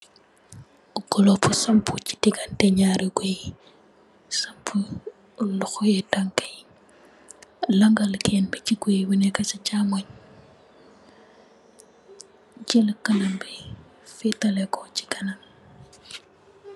golo bu sol bujj si diganteh nyari gouyy sopeu lohe tankai la gal geeen bi ci gouyy bu neka ci chamonj jel kangam bi fetehlehko ci kanam